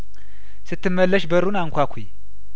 ስትመለሽ በሩን አንኳኲ